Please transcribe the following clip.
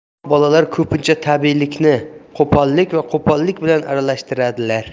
ahmoq bolalar ko'pincha tabiiylikni qo'pollik va qo'pollik bilan aralashtiradilar